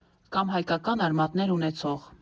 Կամ հայկական արմատներ ունեցող։